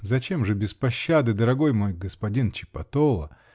-- Зачем же без пощады, дорогой мой господин Чиппатола!